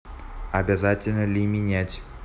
обязательно ли менять